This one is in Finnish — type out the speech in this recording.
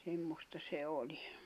semmoista se oli